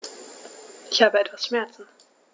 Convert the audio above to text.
Ich habe etwas Schmerzen.